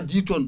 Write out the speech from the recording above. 10 tonnes